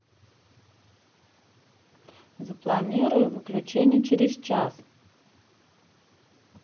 запланируй выключение через час